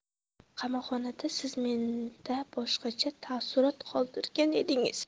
qamoqxonada siz menda boshqacha taassurot qoldirgan edingiz